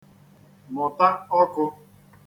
mụ̀ta ọkụ̄